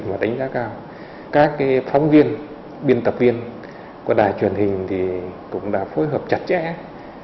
và đánh giá cao các cái phóng viên biên tập viên của đài truyền hình thì cũng đã phối hợp chặt chẽ